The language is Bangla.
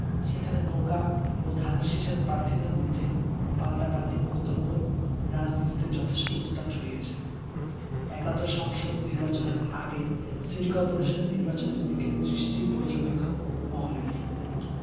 সেখানে নৌকা ও ধানের শীষের প্রার্থীর মধ্যে পাল্টাপাল্টি বক্তব্য রাজনীতিতে যথেষ্ট উত্তাপ ছড়িয়েছে একাদশ সংসদ নির্বাচনের আগে সিটি করপোরেশন নির্বাচনের দিকে দৃষ্টি পর্যবেক্ষক মহলের